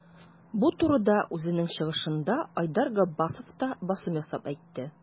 Бу турыда үзенең чыгышында Айдар Габбасов та басым ясап әйтте.